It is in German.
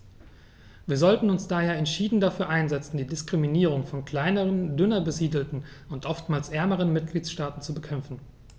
Wir sollten uns daher entschieden dafür einsetzen, die Diskriminierung von kleineren, dünner besiedelten und oftmals ärmeren Mitgliedstaaten zu bekämpfen.